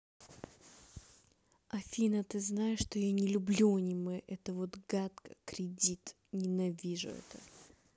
афина ты знаешь что я не люблю аниме это вот гадко кредит ненавижу это